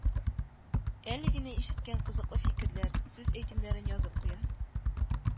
Әле генә ишеткән кызыклы фикерләр, сүз-әйтемнәрне язып куя